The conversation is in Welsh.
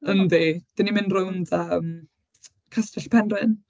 Yndi. Dan ni'n mynd rownd, yym Castell Penrhyn.